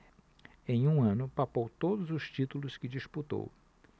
em um ano papou todos os títulos que disputou